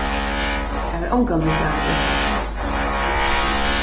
eg havi ongantíð sæð hann gjørt hatta